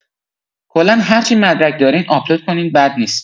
کلا هرچی مدرک دارین آپلود کنین بد نیست.